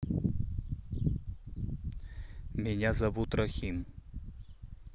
меня зовут рахим